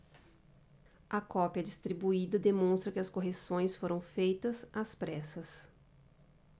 a cópia distribuída demonstra que as correções foram feitas às pressas